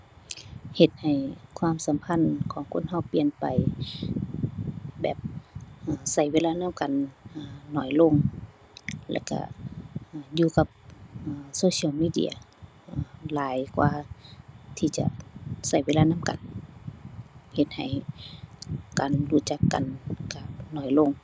เฮ็ดให้ความสัมพันธ์ของคนเราเปลี่ยนไป แบบ อ่า เราเวลานำกัน อ่า น้อยลง แล้วเรา อ่า อยู่กับ อ่า social media อ่า หลายกว่าที่จะเราเวลานำกัน เฮ็ดให้การรู้จักกันเราน้อยลง